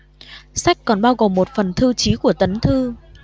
sách còn bao gồm một phần thư chí của tấn thư